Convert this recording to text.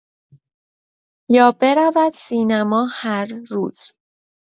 یا برورد سینما هر روز.